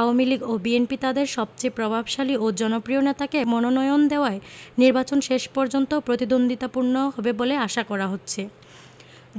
আওয়ামী লীগ ও বিএনপি তাদের সবচেয়ে প্রভাবশালী ও জনপ্রিয় নেতাকে মনোনয়ন দেওয়ায় নির্বাচন শেষ পর্যন্ত প্রতিদ্বন্দ্বিতাপূর্ণ হবে বলে আশা করা হচ্ছে